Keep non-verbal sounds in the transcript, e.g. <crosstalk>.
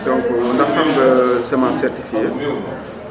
donc ndax xam nga semence certifiée <crosstalk>